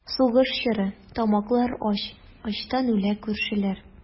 Сугыш чоры, тамаклар ач, Ачтан үлә күршеләр.